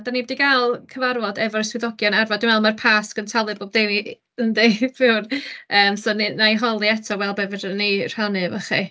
dan ni'm 'di cael cyfarfod efo'r swyddogion Arfon, dwi'n meddwl mae'r pasg yn taflu bob dim i- yndi so wna i holi eto i weld. be fedrwn ni rhannu efo chi.